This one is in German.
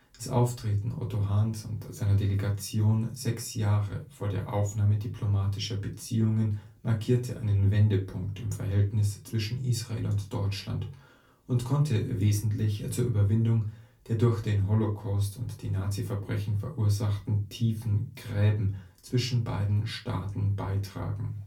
Das Auftreten Otto Hahns und seiner Delegation, sechs Jahre vor der Aufnahme diplomatischer Beziehungen, markierte einen Wendepunkt im Verhältnis zwischen Israel und Deutschland und konnte wesentlich zur Überwindung der durch den Holocaust und die Nazi-Verbrechen verursachten tiefen Gräben zwischen beiden Staaten beitragen